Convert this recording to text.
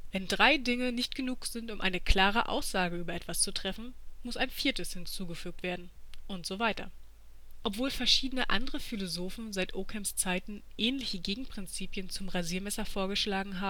Wenn drei Dinge nicht genug sind, um eine klare Aussage über etwas zu treffen, muss ein viertes hinzugefügt werden, und so weiter “. Obwohl verschiedene andere Philosophen seit Ockhams Zeiten ähnliche Gegenprinzipien zum Rasiermesser vorgeschlagen